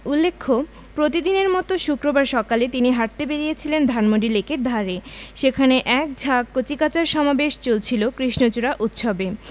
উল্লেখ্য প্রতিদিনের মতো শুক্রবার সকালে তিনি হাঁটতে বেরিয়েছিলেন ধানমন্ডি লেকের ধারে সেখানে এক ঝাঁক কচিকাঁচার সমাবেশ চলছিল কৃষ্ণচূড়া উৎসবে